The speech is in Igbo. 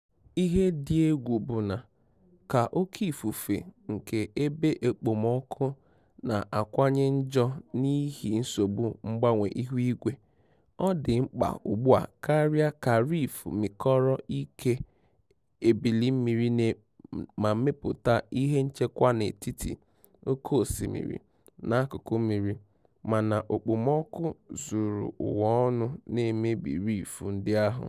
Ihe dị egwu bụ na, ka oké ifufe nke ebe okpomọọkụ na-akawanye njọ n'ihi nsogbu mgbanwe ihuigwe, ọ dị mkpa ugbua karịa ka Reef mịkọrọ ike ebili mmiri ma mepụta ihe nchekwa n'etiti oké osimiri na akụkụ mmiri- mana okpomọọkụ zuru ụwa ọnụ na-emebi Reef ndị ahụ.